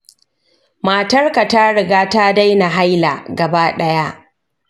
matarka ta riga ta daina haila gaba ɗaya?